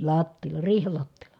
lattialla riihen lattialla